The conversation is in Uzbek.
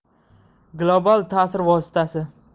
global ta'sir vositasi